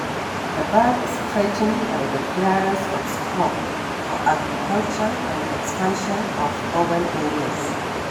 The bird is threatened by the clearance of scrub for agriculture and expansion of urban areas.